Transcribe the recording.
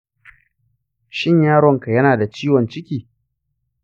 shin yaronka yana da ciwon ciki?